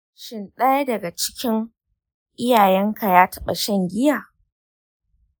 shin ɗaya daga cikin iyayenka ya taɓa shan giya?